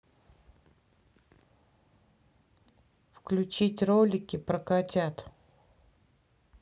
включить ролики про котят